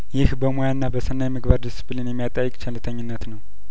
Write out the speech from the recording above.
ይህ በሙያና በሰናይምግባር ዲስፕሊን የሚያጠያይቅ ቸልተኝነት ነው